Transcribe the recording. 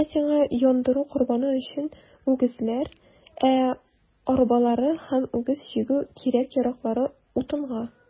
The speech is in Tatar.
Менә сиңа яндыру корбаны өчен үгезләр, ә арбалары һәм үгез җигү кирәк-яраклары - утынга.